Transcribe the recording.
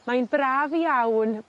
Mae'n braf iawn